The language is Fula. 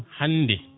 hande